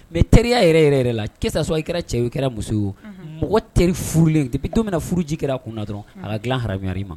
Mɛ teriya yɛrɛ yɛrɛ yɛrɛ la cɛsɔ i kɛra cɛ kɛra muso ye mɔgɔ teri furulen de bi to min na furu ji kɛra a kun na dɔrɔn a ka dilaray ma